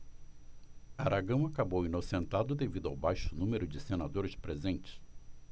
aragão acabou inocentado devido ao baixo número de senadores presentes